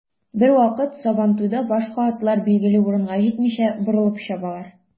Бервакыт сабантуйда башка атлар билгеле урынга җитмичә, борылып чабалар.